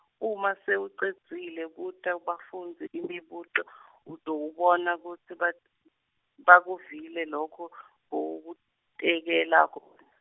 uma sewucedzile buta bafundzi imibuto utawubona kutsi bat- bakuvile loku bewubatekela kona.